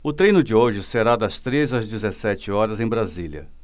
o treino de hoje será das treze às dezessete horas em brasília